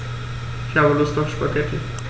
Ich habe Lust auf Spaghetti.